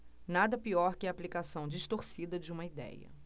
nada pior que a aplicação distorcida de uma idéia